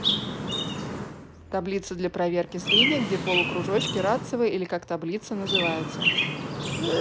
таблица для проверки зрения где полукружочки радцева или как таблица называется